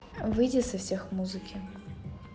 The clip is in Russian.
выйди со всех музыки